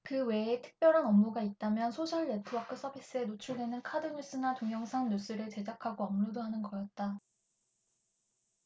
그 외에 특별한 업무가 있다면 소셜네트워크서비스에 노출되는 카드뉴스나 동영상뉴스를 제작하고 업로드하는 거였다